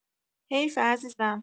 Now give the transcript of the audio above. حیفه عزیزم